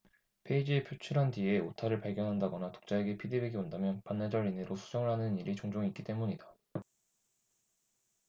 페이지에 표출한 뒤에 오타를 발견한다거나 독자에게 피드백이 온다면 반나절 이내로 수정을 하는 일이 종종 있기 때문이다